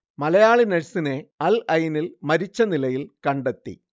മലയാളി നഴ്സിനെ അൽഐനിൽ മരിച്ച നിലയിൽ കണ്ടെത്തി